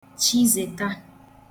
chịzèta